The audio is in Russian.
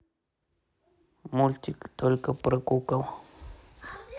мультики только про кукол